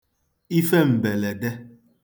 ife m̀bèlède